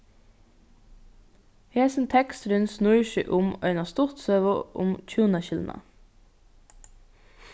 hesin teksturin snýr seg um ein eina stuttsøgu um hjúnaskilnað